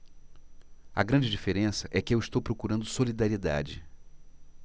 a grande diferença é que eu estou procurando solidariedade